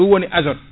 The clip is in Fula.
ɗum woni azote